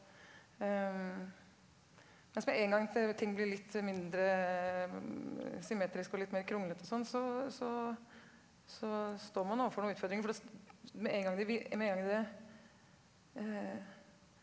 men så med en gang ting blir litt mindre symmetriske og litt mer kronglete og sånn så så så står man overfor noen utfordringer for det med en gang de med gang det .